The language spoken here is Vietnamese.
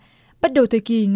bắt đầu thời kỳ ngành